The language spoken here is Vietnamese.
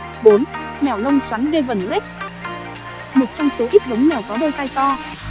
mèo lông xoắn devon rex một trong số ít giống mèo có đôi tai to